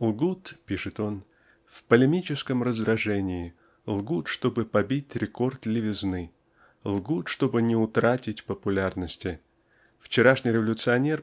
"Лгут -- пишет он -- в полемическом раздражении лгут чтобы побить рекорд левизны лгут чтобы не утратить популярности. Вчерашний революционер